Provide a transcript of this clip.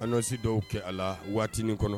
Annonce dɔw kɛ a la, waati i kɔnɔ